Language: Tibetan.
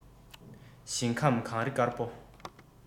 ཞིང ཁམས གངས རི དཀར པོ